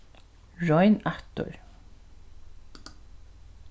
royn aftur